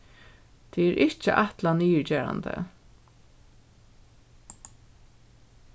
tað er ikki ætlað niðurgerandi